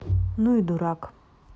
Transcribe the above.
ну и дурак